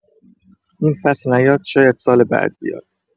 این فصل نیاد شاید سال بعد بیاد.